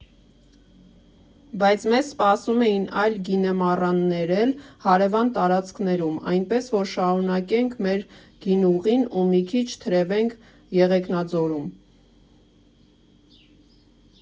Բայց մեզ սպասում են այլ գինեմառաններ էլ հարևան տարածքներում, այնպես որ շարունակենք մեր գինուղին ու մի քիչ թրևենք Եղեգնաձորում։